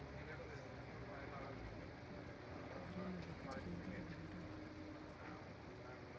время в екатеринбурге дурак